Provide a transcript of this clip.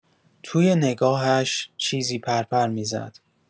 توی نگاهش چیزی پرپر می‌زد.